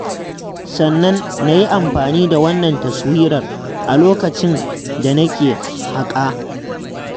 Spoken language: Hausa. Sannan na yi amfani da wannan taswira a lokacin da nake haƙa.